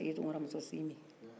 n'i y'a sin kɔnin yarɔ i kɛra a ye